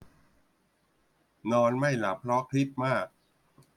นอนไม่หลับเพราะคิดมาก